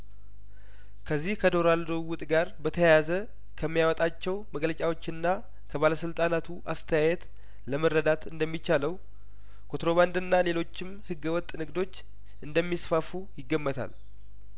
ከዚህ ከዶላር ልውውጡ ጋር በተያያዘ ከሚያወጣቸው መግለጫዎችና ከባለስልጣናቱ አስተያየት ለመረዳት እንደሚቻለው ኮ ትሮ ባንድና ሌሎችም ህገ ወጥንግዶች እንደሚስፋፉ ይገመታል